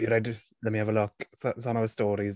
Bydd rhaid i f... let me have a look. S- it's on our stories.